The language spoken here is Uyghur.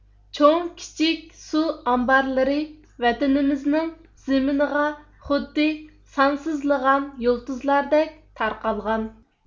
چوڭ كىچىك سۇ ئامبارلىرى ۋەتىنىمىزنىڭ زېمىنىغا خۇددى سانسىزلىغان يۇلتۇزلاردەك تارقالغان